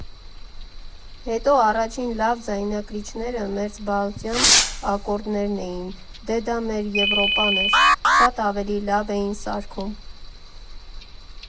Հետո առաջին լավ ձայնարկիչները մերձբալթյան «Ակորդներն» էին, դե դա մեր Եվրոպան էր, շատ ավելի լավ էին սարքում։